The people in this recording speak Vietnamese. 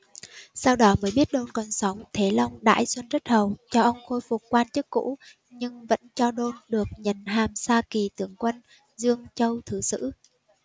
sau đó mới biết đôn còn sống thế long đãi xuân rất hậu cho ông khôi phục quan chức cũ nhưng vẫn cho đôn được nhận hàm xa kỵ tướng quân dương châu thứ sử